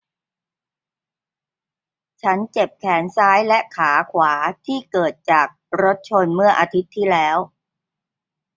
ฉันเจ็บแขนซ้ายและขาขวาที่เกิดจากรถชนเมื่ออาทิตย์ที่แล้ว